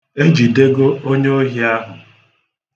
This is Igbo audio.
E jidego onye ohi ahụ.